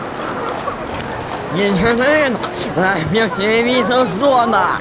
виджи линк разбил телевизор зона